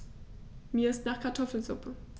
Mir ist nach Kartoffelsuppe.